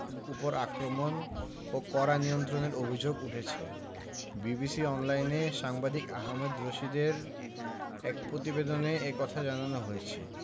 ওপর আক্রমণ ও কড়া নিয়ন্ত্রণের অভিযোগ উঠেছে বিবিসি অনলাইনে সাংবাদিক আহমেদ রশিদের এক প্রতিবেদনে এ কথা জানানো হয়েছে